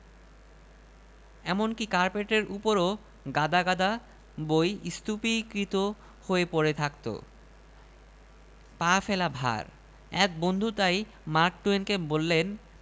দোকানদার এটা দেখায় সেটা শোঁকায় এটা নাড়ে সেটা কাড়ে কিন্তু গরবিনী ধনীর উভয়ার্থে কিছুই আর মনঃপূত হয় না